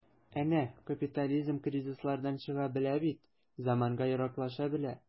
Әнә капитализм кризислардан чыга белә бит, заманга яраклаша белә.